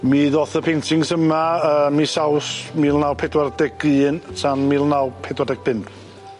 Mi ddoth y paintings yma yy mis Aws mil naw pedwar deg un tan mil naw pedwar deg bum'.